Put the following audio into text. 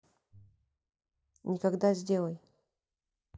никогда сделай